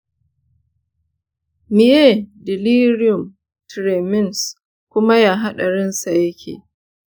miye delirium tremens kuma ya haddarin sa yake?